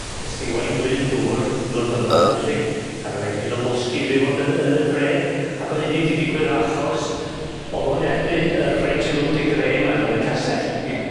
Est i Owain Glyndŵr ddod yma felly ag o' 'nei dipyn o losgi 'di bod yn yn y dre ag o' hynny 'di digwydd achos o'dd o'n erbyn y Reginald de Grey yma o'dd yn y castell. Ie.